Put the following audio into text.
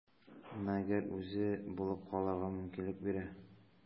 Мәгәр үзе булып калырга мөмкинлек бирә.